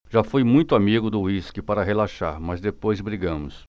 já fui muito amigo do uísque para relaxar mas depois brigamos